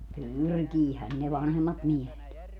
pyrkihän ne vanhemmat miehet